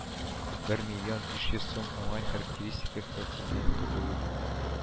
Бер миллион биш йөз сум уңай характеристика хөкемнән котылу